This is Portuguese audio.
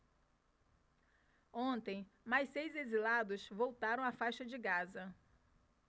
ontem mais seis exilados voltaram à faixa de gaza